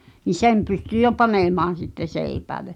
niin sen pystyi jo panemaan sitten seipäälle